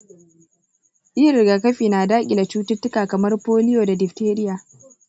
yin rigakafi na dakile cututtuka kamar polio da diphtheria